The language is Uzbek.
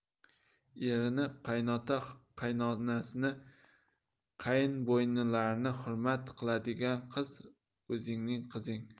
erini qaynota qaynonasini qaynbo'yinlarini hurmat qiladigan qiz o'zingning qizing